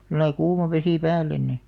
sillä lailla kuuma vesi päälle niin